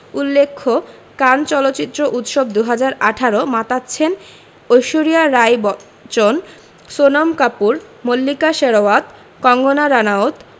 উল্লেখ্য কান চলচ্চিত্র উৎসব ২০১৮ মাতাচ্ছেন ঐশ্বরিয়া রাই বচ্চন সোনম কাপুর মল্লিকা শেরওয়াত কঙ্গনা রানাউত